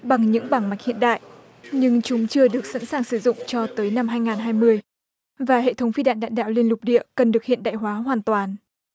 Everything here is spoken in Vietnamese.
bằng những bảng mạch hiện đại nhưng chúng chưa được sẵn sàng sử dụng cho tới năm hai ngàn hai mươi và hệ thống phi đạn đại đạo liên lục địa cần được hiện đại hóa hoàn toàn